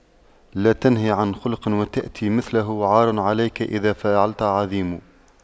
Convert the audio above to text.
لا تنه عن خلق وتأتي مثله عار عليك إذا فعلت عظيم